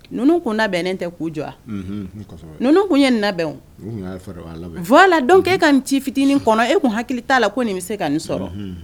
Ninnu tun bɛn ne tɛ ku jɔ ninnu tun ye nin labɛn la dɔn' e ka ci fitinin kɔnɔ e tun hakili t'a la ko nin bɛ se ka nin sɔrɔ